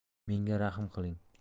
menga rahm qiling